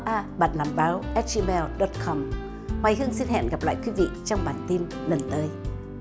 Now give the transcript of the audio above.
a bạn làm báo ét vi eo vét com hoài hương xinhẹn gặp lại quý vị trong bản tin lần tới